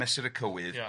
...mesur y cywydd... Ie.